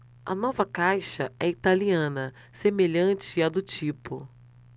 a nova caixa é italiana semelhante à do tipo